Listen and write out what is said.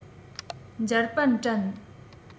འཇར པན དྲན